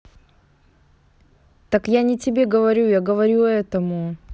так я не тебе говорю я говорю этому